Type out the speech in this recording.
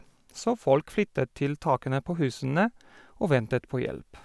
Så folk flyttet til takene på husene og ventet på hjelp.